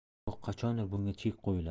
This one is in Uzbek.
yo'q qachondir bunga chek qo'yiladi